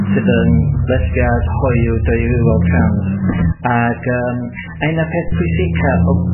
sydd yn lesbiad, hoyw, dwy rywiol, trans, ag yym a un o peth pwysica...